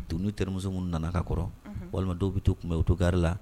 Don n'u termiuso minnu nana ka kɔrɔ. Unhun Walima dɔw bɛ t'u kunbɛn autogare la.